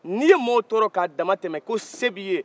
n'i ye mɔgɔw tɔɔrɔ k'a dama tɛmɛ ko se b'i ye